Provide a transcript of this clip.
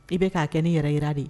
I b ka kɛ ne yɛrɛ yira de ye.